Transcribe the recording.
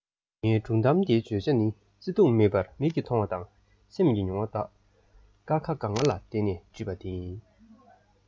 ངའི སྒྲུང གཏམ འདིའི བརྗོད བྱ ནི བརྩེ དུང མེད པར མིག གིས མཐོང བ དང སེམས ཀྱི མྱོང བ དག ཀ ཁ ག ང ལ བརྟེན ནས བྲིས པ དེ ཡིན